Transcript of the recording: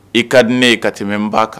I ka di ne ye ka tɛmɛ n ba kan